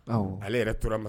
Ale yɛrɛ toraura ma